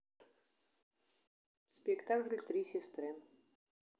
спектакль три сестры